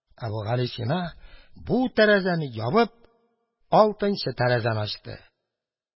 Әбүгалисина, бу тәрәзәне ябып, алтынчы тәрәзәне ачты.